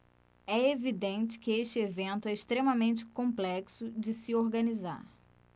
é evidente que este evento é extremamente complexo de se organizar